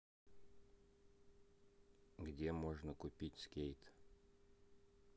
где можно купить скейт